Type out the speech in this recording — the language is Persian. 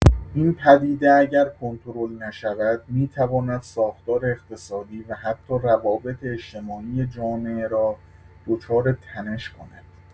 این پدیده اگر کنترل نشود، می‌تواند ساختار اقتصادی و حتی روابط اجتماعی جامعه را دچار تنش کند.